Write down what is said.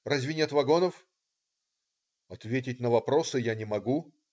разве нет вагонов?!" Ответить на вопросы я не могу.